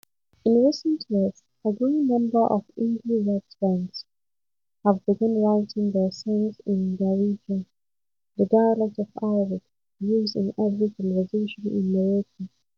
In recent years, a growing number of indie rock bands have begun writing their songs in Darija, the dialect of Arabic used in everyday conversation in Morocco.